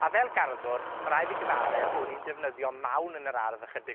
A fel garddwr, ma' raid fi gyfadde, o'n i'n defnyddio mawn yn yr ardd ychydig